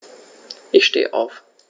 Ich stehe auf.